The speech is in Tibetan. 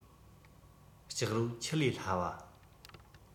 སྐྱག རོ ཆུ ལས སླ བ